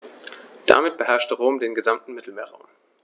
Damit beherrschte Rom den gesamten Mittelmeerraum.